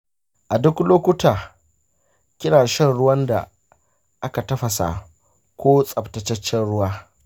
a duk lokuta kina shan ruwan da aka tafasa ko tsaftataccen ruwa.